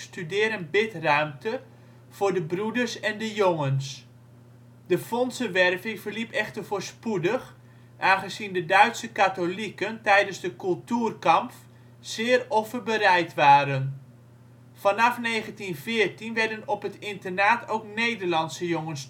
studeer - en bidruimte voor de broeders en de jongens. De fondsenwerving verliep echter voorspoedig, aangezien de Duitse katholieken tijdens de Kulturkampf zeer offerbereid waren. Vanaf 1914 werden op het internaat ook Nederlandse jongens